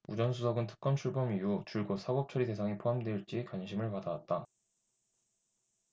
우 전 수석은 특검 출범 이후 줄곧 사법처리 대상에 포함될지 관심을 받아왔다